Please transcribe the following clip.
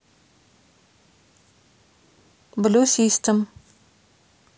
блю систем